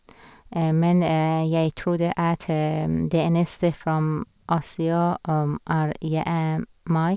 Men jeg trodde at det eneste from Asia er je meg.